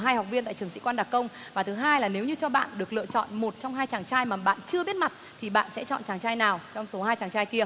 hai học viên tại trường sĩ quan đặc công và thứ hai là nếu như cho bạn được lựa chọn một trong hai chàng trai mà bạn chưa biết mặt thì bạn sẽ chọn chàng trai nào trong số hai chàng trai kia